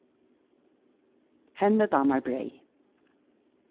henni dámar breyð